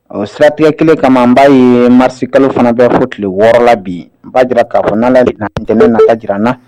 O siratigɛ kelen kama n b'a ye marisi kalo fana bɛ fo tile wɔɔrɔ la bi b'a jira k'a fɔ la lajɛlen na jira nna